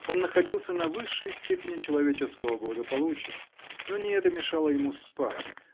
Он находился на высшей степени человеческого благополучия но не это мешало ему спать